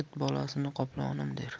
it bolasini qoplonim der